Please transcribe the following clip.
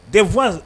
Des voisins